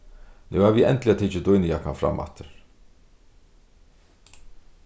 nú havi eg endiliga tikið dýnujakkan fram aftur